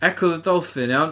Echo the Dolphin iawn?